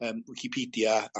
yym wicipedia a